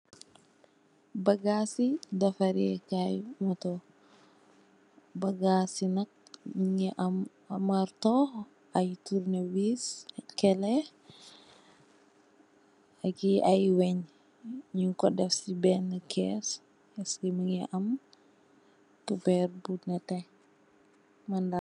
Bagaasi defaraakaay moto, bagaas yi nak nyungi am marto, ay turnewees, ay kele, aki ay wenj, nyun ko def si benne kees, kees gi mingi am kubeer bu nete.